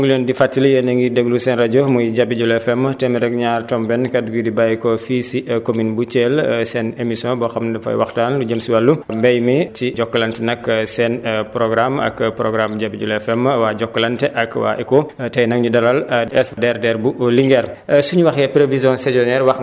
am na solo kon mbokk yi ñu ngi leen di fàttali yéen a ngi déglu seen rajo muy Jabi jula FM téeméer ak ñaar tomb benn kàddu gi di bàyyeekoo fii si commune bu thiel seen émission boo xam ne dafay waxtaan lu jëm si wàllu mbéy mi si jokkalante nag seen programme ak programme Jabi Jula FM waa Jokalante ak waa ECHO tey nag ñu dalal SDRDR bu Linguère